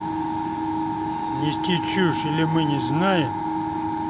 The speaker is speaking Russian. нести чушь или мы не знаем